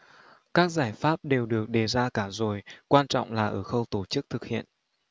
các giải pháp đều được đề ra cả rồi quan trọng là ở khâu tổ chức thực hiện